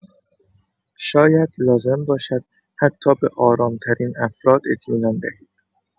شاید لازم باشد حتی به آرام‌ترین افراد اطمینان دهید.